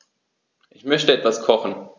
Ich möchte etwas kochen.